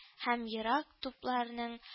Һәм ерак тупларның